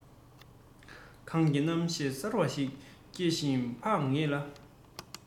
གངས ཀྱི རྣམ ཤེས གསར བ ཞིག སྐྱེ ཞིང འཕགས ངེས ལ